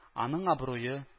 Аның абруе